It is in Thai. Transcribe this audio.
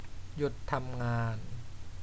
หยุดทำงาน